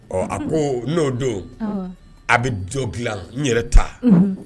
Ɔ a ko n'o don, awɔ, a bɛ dɔ dilan n yɛrɛ ta, unhun